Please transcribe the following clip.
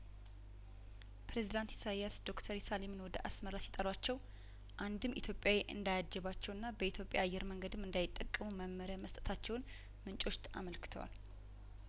ፕሬዚዳንት ኢሳይያስ ዶክተር የሳሊምን ወደ አስመራ ሲጠሯቸው አንድም ኢትዮጵያዊ እንዳያጅባቸውና በኢትዮጵያ አየር መንገድም እንዳይጠቀሙ መመሪያ መስጠታቸውን ምንጮች አመልክተዋል